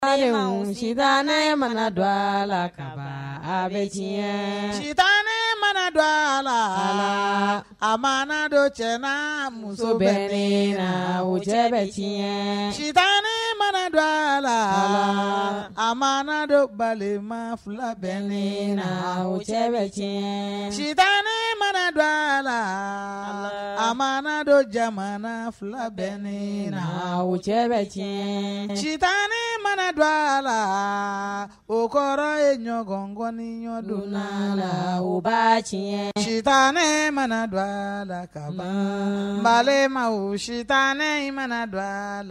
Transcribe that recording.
Mu ci ne mana don a la ka bɛ diɲɛ cita ne mana don a la a ma dɔ cɛ muso bɛ ne la o cɛ bɛɲɛ ci ne mana don a la a ma dɔ balima fila bɛ ne wo cɛ bɛ cɛ ci ne mana don a la a ma don jamana fila bɛ ne o cɛ bɛ tiɲɛ cita ne mana don a la o kɔrɔ ye ɲɔgɔnkɔni ɲɔgɔndon la la ba tiɲɛ cita ne mana don a la ka bama wo sita ne mana don a la